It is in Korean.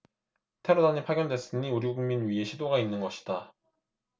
테러단이 파견됐으니 우리국민 위해 시도가 있는 것이다